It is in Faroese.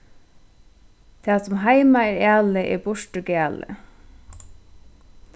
tað sum heima er alið er burtur galið